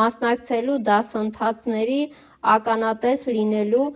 մասնակցելու, դասընթացների ականատես լինելու,